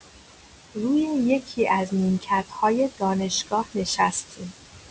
روی یکی‌از نیمکت‌های دانشگاه نشستیم.